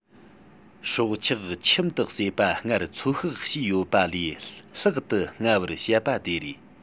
སྲོག ཆགས ཁྱིམ ཏུ གསོས པ སྔར ཚོད དཔག བྱས ཡོད པ ལས ལྷག ཏུ སྔ བར བཤད པ དེ རེད